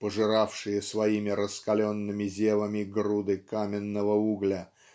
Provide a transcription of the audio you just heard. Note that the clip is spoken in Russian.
пожиравшие своими раскаленными зевами груды каменного угля